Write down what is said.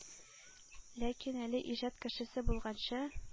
Ләкин, әле иҗат кешесе булганчы,